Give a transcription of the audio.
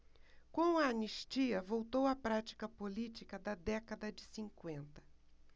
com a anistia voltou a prática política da década de cinquenta